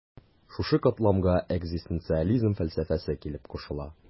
Шушы катламга экзистенциализм фәлсәфәсе килеп кушыла.